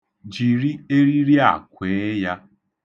Jiri eriri a kwee ya.